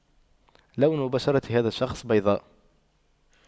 لون بشرة هذا الشخص بيضاء